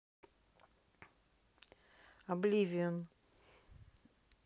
oblivion